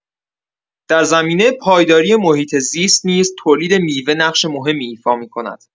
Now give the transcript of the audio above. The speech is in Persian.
در زمینه پایداری محیط‌زیست نیز تولید میوه نقش مهمی ایفا می‌کند.